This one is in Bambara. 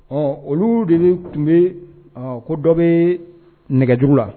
Ɔɔ olu de be kile . Ko dɔ bɛ nɛgɛjugu la.